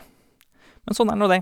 Men sånn er nå det.